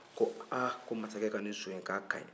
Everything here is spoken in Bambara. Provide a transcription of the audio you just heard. ko ha ko masakɛ ka nin so in ko a ka ɲi